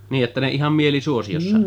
Niin että ne ihan mielisuosiossa